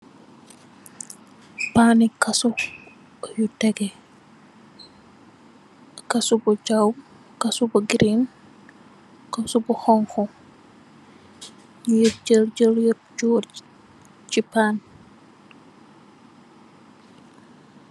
Pani cashew yu tégé. Cashew bu chèw, cashew bu green, cashew bu honku. Nu jal jorr yëp ci pan.